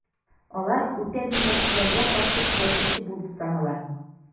Алар үтә милләтчеләргә каршы көрәшүче булып санала.